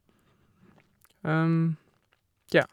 Tja.